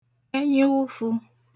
ẹnyaufū